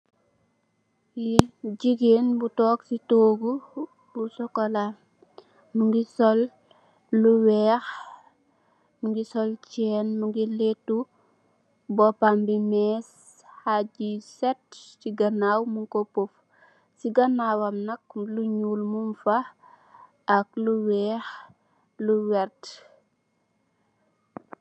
Fii jigeen bu toog si toogu bu sokola, mingi sol lu weex, mingi sol ceen, miingi leetu boppam bi mees, hagi yu set, si ganaaw mu ko paff, si gannaawam nak lu nyuul munfa, ak lu weex, lu werte.